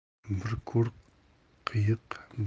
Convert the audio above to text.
bir ko'r qiyiq